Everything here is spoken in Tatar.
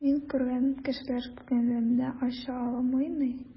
Мин күргән кешеләр күңелемне ача аламыни?